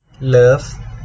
เลิฟ